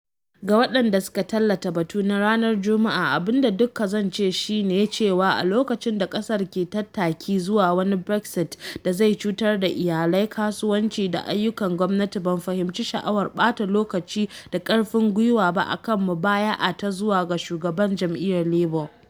Ga waɗanda suka tallata batu na ranar Juma’a, abin da dukka zan ce shi ne cewa a lokacin da ƙasar ke tattaki zuwa wani Brexit da zai cutar da iyalai, kasuwanci da ayyukan gwamnati, ban fahimci sha’awar ɓata lokaci da ƙarfin gwiwa ba a kan mubaya’a ta zuwa ga shugaban jam’iyyar Labour.